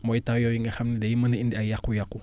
mooy taw yooyu nga xam ne day mën a indi ay yàqu-yàqu